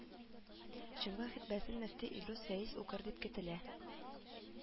Җомга хөтбәсен мөфти Илдус Фәиз укыр дип көтелә